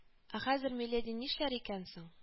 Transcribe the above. Ә хәзер миледи нишләр икән соң